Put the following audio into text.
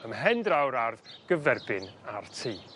Ym mhen draw'r ardd gyferbyn ar tŷ.